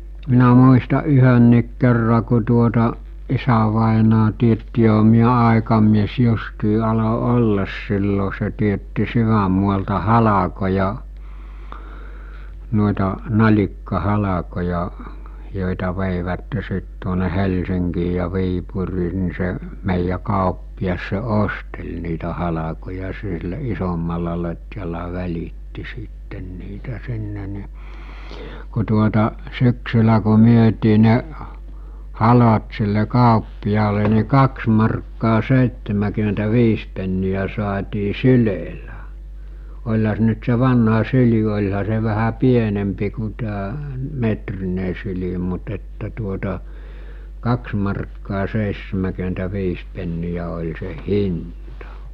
minä muistan yhdenkin kerran kun tuota isävainaja teetti johan minä aikamies justiin aloin olla silloin se teetti sydänmaalta halkoja noita nalikkahalkoja joita veivät sitten tuonne Helsinkiin ja Viipuriin niin se meidän kauppias se osteli niitä halkoja sillä isommalla lotjalla välitti sitten niitä sinne niin kun tuota syksyllä kun myytiin ne halot sille kauppiaalle niin kaksi markkaa seitsemänkymmentäviisi penniä saatiin sylellä olihan se nyt se vanha syli olihan se vähän pienempi kuin tämä metrinen syli mutta että tuota kaksi markkaa seitsemänkymmentäviisi penniä oli se hinta